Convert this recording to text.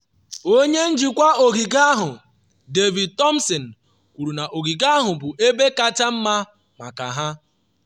Onye njikwa ogige ahụ David Thompson kwuru na ogige ahụ bụ ebe kacha mma maka ha.